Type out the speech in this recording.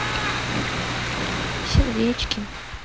сердечки